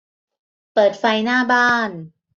เปิดไฟหน้าบ้าน